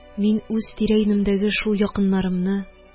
Мин үз тирә-юнемдәге шул якыннарымны,